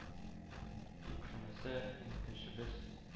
Тик шунысы, энекәшебез